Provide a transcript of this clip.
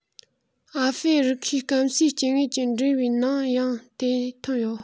ཨ ཧྥེ རི ཁའི སྐམ སའི སྐྱེ དངོས ཀྱི འབྲེལ བའི ནང ཡང དེ མཐོང ཡོད